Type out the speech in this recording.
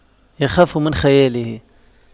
يخاف من خياله